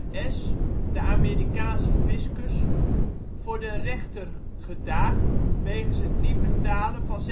IRS, de Amerikaanse fiscus, voor de rechter gedaagd wegens het niet betalen van